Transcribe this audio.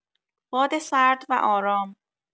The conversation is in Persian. باد سرد و آرام